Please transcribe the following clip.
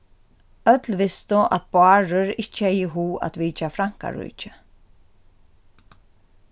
øll vistu at bárður ikki hevði hug at vitja frankaríki